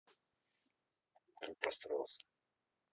как построился